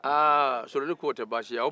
solonin k'o tɛ baasi ye